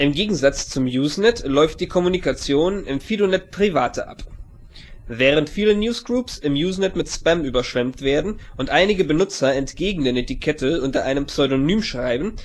Gegensatz zum Usenet läuft die Kommunikation im FidoNet privater ab: Während viele Newsgroups im Usenet mit Spam überschwemmt werden und einige Benutzer entgegen der Netiquette unter einem Pseudonym schreiben